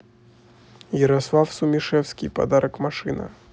ярослав сумишевский подарок машина